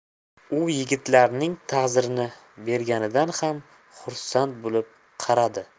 u yigitlarning ta'zirini berganidan ham xursand bo'lib qarardi